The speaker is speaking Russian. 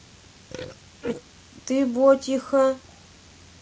ты ботиха